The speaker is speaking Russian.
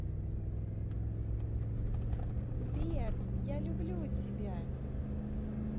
сбер я люблю тебя